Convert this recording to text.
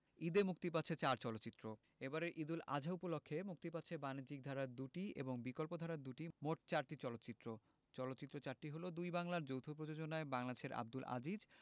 ঈদে মুক্তি পাচ্ছে চার চলচ্চিত্র এবারের ঈদ উল আযহা উপলক্ষে মুক্তি পাচ্ছে বাণিজ্যিক ধারার দুটি এবং বিকল্পধারার দুটি মোট চারটি চলচ্চিত্র চলচ্চিত্র চারটি হলো দুই বাংলার যৌথ প্রযোজনায় বাংলাদেশের আবদুল আজিজ